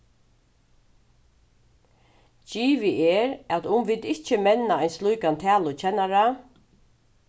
givið er at um vit ikki menna ein slíkan talukennara